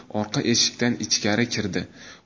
orqa eshikdan ichkari kirdi